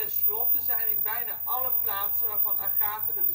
slotte zijn in bijna alle plaatsen waarvan Agatha de